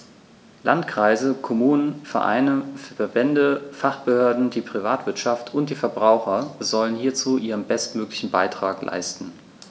Landkreise, Kommunen, Vereine, Verbände, Fachbehörden, die Privatwirtschaft und die Verbraucher sollen hierzu ihren bestmöglichen Beitrag leisten.